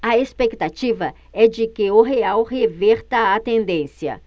a expectativa é de que o real reverta a tendência